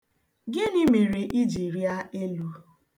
Gịnị mere i ji rịa elu?